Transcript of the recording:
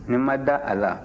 ne ma da a la